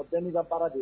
O bɛɛ bɛ baara de ye